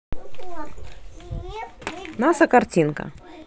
наса картинка